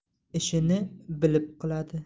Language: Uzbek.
ishini bilib qiladi